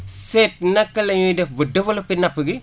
seet naka la ñuy def ba développé napp gi